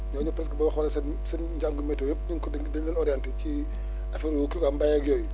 ñooñu presque boo xoolee seen seen njàng météo dañ ko dañ leen orienter ci affaire kii quoi mbéy ak yooyu